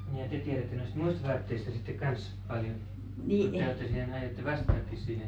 ja te tiedätte noista muista vaatteista sitten kanssa paljon kun te olette siinä aiotte vastatakin siihen